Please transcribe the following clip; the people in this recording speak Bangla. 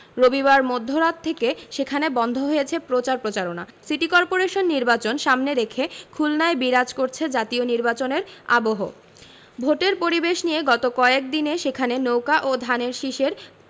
রবিবার মধ্যরাত থেকে সেখানে বন্ধ হয়েছে প্রচার প্রচারণা সিটি করপোরেশন নির্বাচন সামনে রেখে খুলনায় বিরাজ করছে জাতীয় নির্বাচনের আবহ ভোটের পরিবেশ নিয়ে গত কয়েক দিনে সেখানে নৌকা ও ধানের শীষের